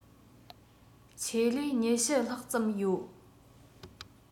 ཆེད ལས ༢༠ ལྷག ཙམ ཡོད